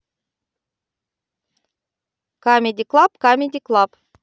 камеди клаб камеди клаб